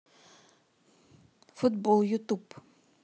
футбол ютуб